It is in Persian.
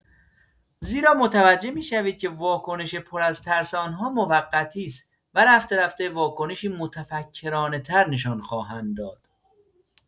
زیرا متوجه می‌شوید که واکنش پر از ترس آن‌ها موقتی است و رفته‌رفته واکنشی متفکرانه‌تر نشان خواهند داد.